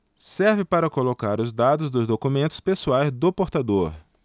serve para colocar os dados dos documentos pessoais do portador